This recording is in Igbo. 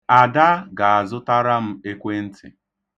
Ada ga-azụtara m ekwentị.